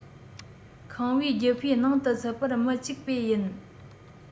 ཁང པའི རྒྱུ སྤུས ནང དུ ཚུད པར མི གཅིག པས ཡིན